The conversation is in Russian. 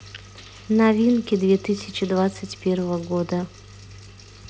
новинки две тысячи двадцать первого года